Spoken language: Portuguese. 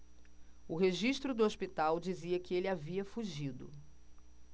o registro do hospital dizia que ele havia fugido